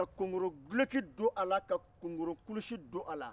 ka kongoro dulonki don a la ka kongoro kulusi don a la